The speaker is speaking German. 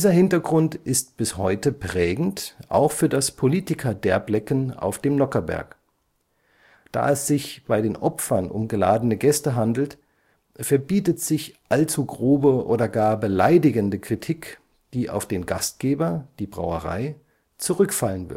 Hintergrund ist bis heute prägend auch für das Politiker-Derblecken auf dem Nockherberg. Da es sich bei den „ Opfern “um geladene Gäste handelt, verbietet sich allzu grobe oder gar beleidigende Kritik, die auf den Gastgeber – die Brauerei – zurückfallen